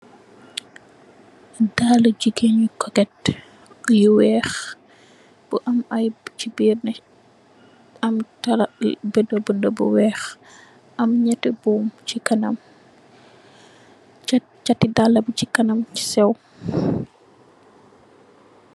Daalu gigain njung kor tek yu wekh, bu am aiiy am bichi gehneh, am behdeh behdeh bu wekh, am njehti buum chi kanam, chha chhati daalah bii gii kanam bu seww.